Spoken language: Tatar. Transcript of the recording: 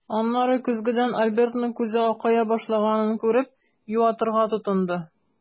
Аннары көзгедән Альбертның күзе акая башлаганын күреп, юатырга тотынды.